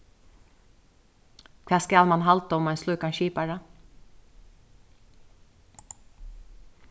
hvat skal mann halda um ein slíkan skipara